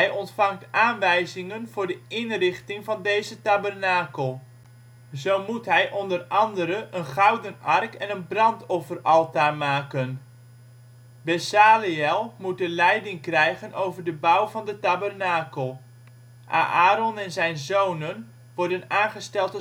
ontvangt aanwijzingen voor de inrichting van deze tabernakel. Zo moet hij onder andere een gouden ark en een brandofferaltaar maken. Besaleël moet de leiding krijgen over de bouw van de tabernakel. Aäron en zijn zonen worden aangesteld